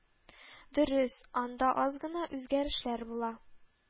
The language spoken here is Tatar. Дөрес, анда аз гына үзгәрешләр була